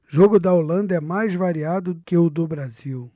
jogo da holanda é mais variado que o do brasil